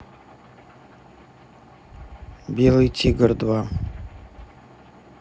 белый тигр два